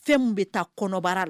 Fɛn bɛ taa kɔnɔbara la